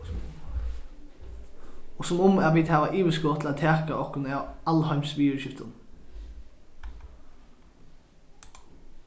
og sum um at vit hava yvirskot til at taka okkum av alheimsviðurskiftum